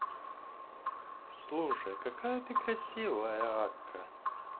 слушай какая ты красивая акка